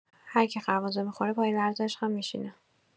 هرکی خربزه می‌خوره پای لرزش هم می‌شینه.